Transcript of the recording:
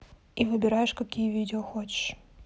и выбираешь какие видео хочешь